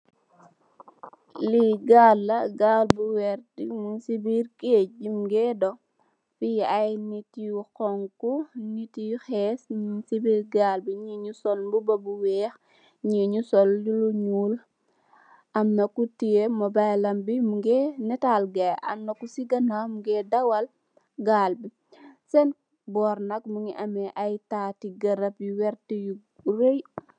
Lee gaal la gaal bu verte mungse se birr géej munge doh fee aye neet yu xonxo neet yu hess nyung se birr gaal be munge sol muba bu weex nye nu sol lu nuul amna ku teye mobilam be munge natal gaye amna kuse ganaw munge dawal gaal be sen borr nak munge ameh aye tate garab yu werta yu raye.